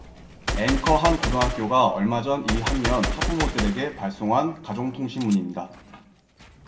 앵커 한 고등학교가 얼마 전 이 학년 학부모들에게 발송한 가정통신문입니다